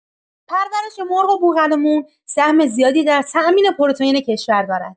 پرورش مرغ و بوقلمون سهم زیادی در تأمین پروتئین کشور دارد.